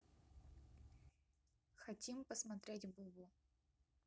хотим посмотреть бубу